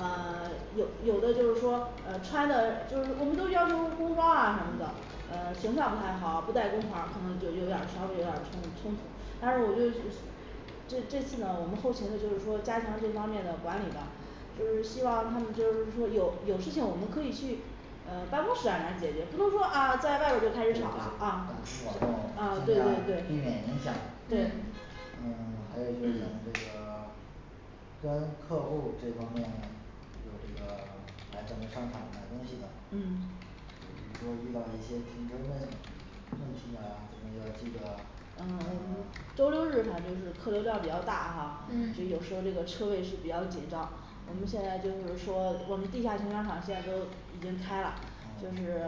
嗯 有有的就是说嗯穿的就是我们都要求工装啊什么的嗯形象不太好，不戴工牌儿可能就有点儿稍微有点儿冲冲突，但是我就是这这次呢我们后勤呢就是说加强这方面的管理吧呃希望他们就是说有有事情我们可以去嗯办公室让人解决不能说啊对对大庭广众尽量在外边儿就开始吵了啊，啊对对避免对影响对嗯嗯 还有一个就是咱们这个 跟客户这方面有这个来咱们商场买东西的嗯比如说遇到一些停车位问题啊咱们要记得嗯 嗯周六日反正是客流量比较大哈就嗯有时候这个车位是比较紧张我们现在就是说我们地下停车场现在都已经开啦就是